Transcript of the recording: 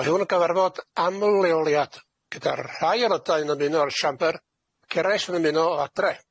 Ma'n hwn y gyfarfod aml-leoliad, gyda'r rhai aelodau yn ymuno o'r siambr, ac eraill yn ymuno o adre.